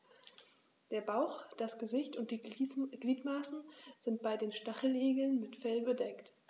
Der Bauch, das Gesicht und die Gliedmaßen sind bei den Stacheligeln mit Fell bedeckt.